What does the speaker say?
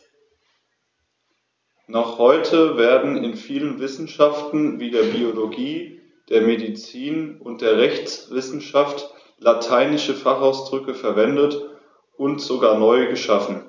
Noch heute werden in vielen Wissenschaften wie der Biologie, der Medizin und der Rechtswissenschaft lateinische Fachausdrücke verwendet und sogar neu geschaffen.